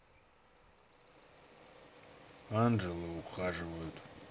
анжела ухаживают